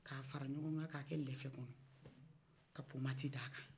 k'a fara ɲɔgɔn kan k'a kɛ lɛfɛ kɔnɔ ka pomati d'a kan